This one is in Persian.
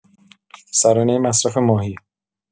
سرانۀ مصرف ماهی